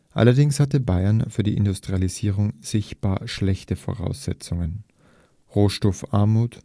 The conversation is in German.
Allerdings hatte Bayern für die Industrialisierung sichtbar schlechte Voraussetzungen: Rohstoffarmut